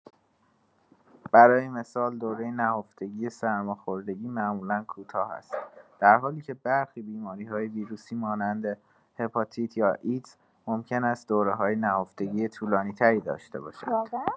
برای مثال، دوره نهفتگی سرماخوردگی معمولا کوتاه است، در حالی که برخی بیماری‌های ویروسی مانند هپاتیت یا ایدز ممکن است دوره‌های نهفتگی طولانی‌تری داشته باشند.